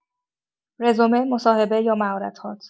رزومه، مصاحبه یا مهارت‌هات.